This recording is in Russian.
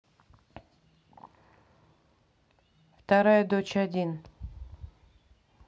вторая дочь один